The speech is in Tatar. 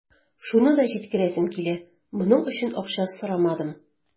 Шуны да җиткерәсем килә: моның өчен акча сорамадым.